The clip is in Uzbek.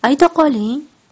ayta qoliiing